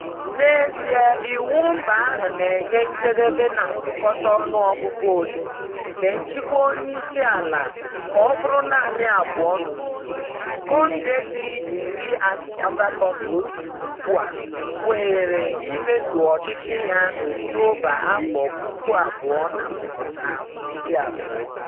N'ezie, iwu mba ahụ na-enye njedebe na ngụkọta ọnuọgụgu ole nke nchịkwa onyeisi ala ka ọ buru naanị abụọ n'usoro. Condé, dị 81 ugbu a, kwesịrị imezu ọchịchị ya n'Ọktoba 2020.